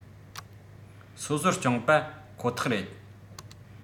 སོ སོར བསྐྱངས པ ཁོ ཐག རེད